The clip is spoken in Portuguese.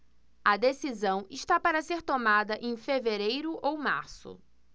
a decisão está para ser tomada em fevereiro ou março